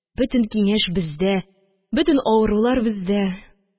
Бөтен киңәш бездә, бөтен авырулар бездә.